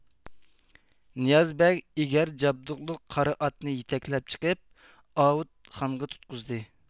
نىياز بەگ ئېگەر جابدۇقلۇق قارا ئاتنى يېتەكلەپ چىقىپ ئاۋۇتخانغا تۇتقۇزدى